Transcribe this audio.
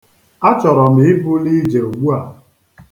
Achọrọ m ibuli ije ugbu a.